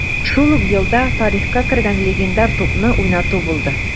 Шул ук елда тарихка кергән легендар тупны уйнату булды: